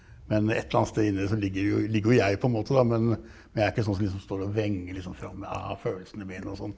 men ett eller annet sted inni det så ligger jo ligger jo jeg på en måte da, men men jeg er ikke sånn som liksom står og vrenger liksom fram ah følelsene mine og sånn.